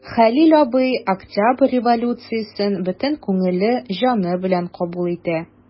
Хәлил абый Октябрь революциясен бөтен күңеле, җаны белән кабул итә.